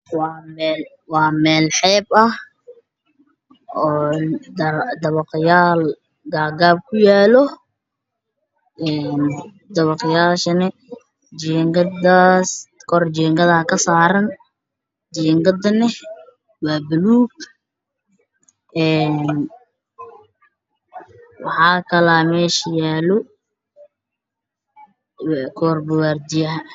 Waa meel heeb ah oo dabaqyaal gaagaab ku yaalo dabaqyashaasne kor jiinkad baa ka saaran jiinkadana waa buluun een waxaa kale oo meesha yaalo